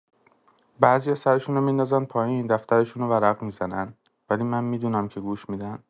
بعضیا سرشونو می‌ندازن پایین، دفترشونو ورق می‌زنن، ولی من می‌دونم که گوش می‌دن.